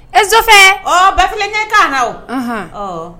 Ezofɛ! Ɔ Bafunɛ,n ye ka na ɔ.